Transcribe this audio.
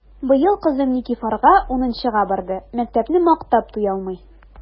Быел кызым Никифарга унынчыга барды— мәктәпне мактап туялмый!